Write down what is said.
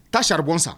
Taa cari bɔ san